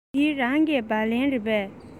འདི རང གི སྦ ལན རེད པས